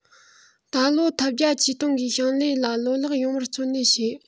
ད ལོ ཐབས བརྒྱ ཇུས སྟོང གིས ཞིང ལས ལ ལོ ལེགས ཡོང བར བརྩོན ལེན བྱེད